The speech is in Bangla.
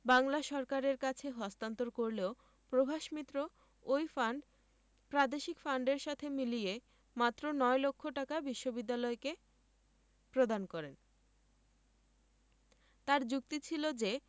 বাংলা সরকারের কাছে হস্তান্তর করলেও প্রভাস মিত্র ওই ফান্ড প্রাদেশিক ফান্ডের সাথে মিলিয়ে মাত্র নয় লক্ষ টাকা বিশ্ববিদ্যালয়কে প্রদান করেন তাঁর যুক্তি ছিল যে